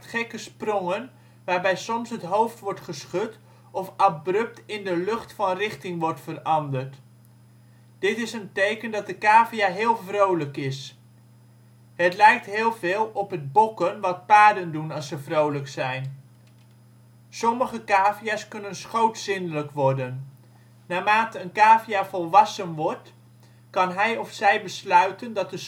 sprongen waarbij soms het hoofd wordt geschud of abrupt in de lucht van richting wordt veranderd. Dit is een teken dat de cavia heel vrolijk is. Het lijkt heel veel op het bokken wat paarden doen als ze vrolijk zijn. Sommige cavia 's kunnen schootzindelijk worden. Naarmate een cavia volwassen wordt, kan hij of zij besluiten dat de